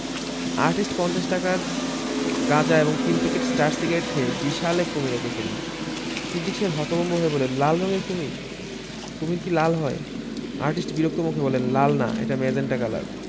artist পঞ্চাশ টাকার গাঁজা এবং তিন প্যাকেট স্টার সিগারেট খেয়ে বিশাল এক কুমীর এঁকে ফেলল সিদ্দিক সাহেব হতভম্ব হয়ে বললেন লাল রঙের কুমীর কুমীর কি লাল হয় আর্টিস্ট বিরক্ত মুখে বললেন লাল না এটা মেজেন্টা কালার